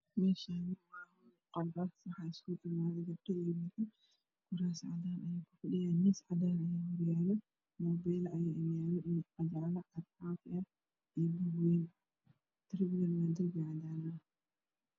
Meeshaani waa hool waxaa isgu imaaday gabdho wiilal kuras cadaan mis cadaan ayey ku fadhiyaan Mobilo Aya agyaalo darbigana waa cadaan